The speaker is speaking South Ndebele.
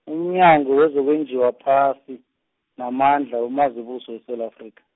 umnyango wezokwenjiwa phasi, namandla uMazibuse weSewula Afrika.